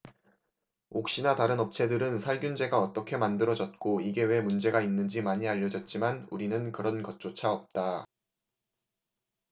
옥시나 다른 업체들은 살균제가 어떻게 만들어졌고 이게 왜 문제가 있는지 많이 알려졌지만 우리는 그런 것조차 없다